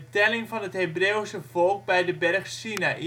telling van het hebreeuwse volk bij de berg Sinaï